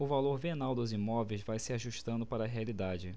o valor venal dos imóveis vai ser ajustado para a realidade